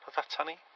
w'th ata ni